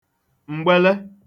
m̀gbele